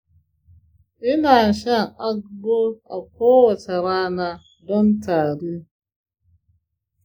ina shan agbo kowace rana don tari.